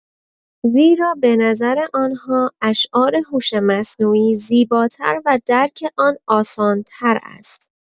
زیرا به نظر آنها اشعار هوش مصنوعی زیباتر و درک آن آسان‌تر است.